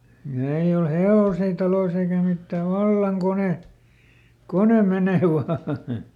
ja ei ole hevosia taloissa eikä mitään vallan kone kone menee vain